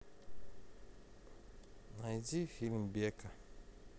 найди фильм бекка